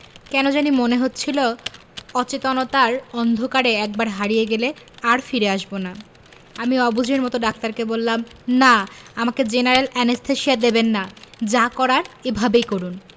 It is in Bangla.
কেন জানি মনে হচ্ছিলো অচেতনতার অন্ধকারে একবার হারিয়ে গেলে আর ফিরে আসবো না আমি অবুঝের মতো ডাক্তারকে বললাম না আমাকে জেনারেল অ্যানেসথেসিয়া দেবেন না যা করার এভাবেই করুন